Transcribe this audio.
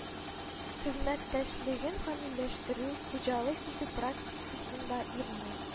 Хезмәттәшлеген камилләштерү, хуҗалык итү практикасында ирне